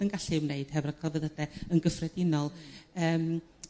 yn gallu wneud hefo yr celfyddyde gyffredinol yrm